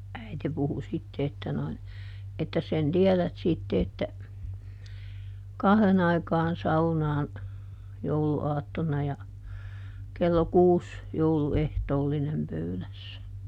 äiti puhui sitten että noin ettäs sen tiedät sitten että kahden aikaan saunaan jouluaattona ja kello kuusi jouluehtoollinen pöydässä